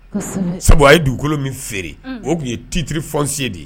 Kosɛbɛ, sabu a ye dugukolo min feere, o tun ye itittre foncieier de ye!